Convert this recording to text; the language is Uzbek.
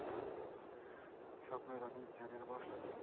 shopmo'ylov militsionerni boshlab keldi